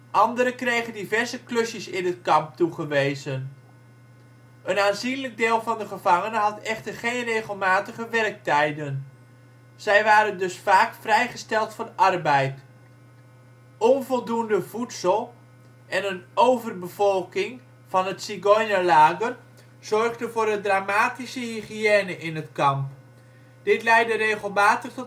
Anderen kregen diverse klusjes in het kamp toegewezen. Een aanzienlijk deel van de gevangenen had echter geen regelmatige werktijden. Zij waren dus vaak vrijgesteld van arbeid. Onvoldoende voedsel en een overbevolking van het Zigeunerlager zorgden voor een dramatische hygiëne in het kamp. Dit leidde regelmatig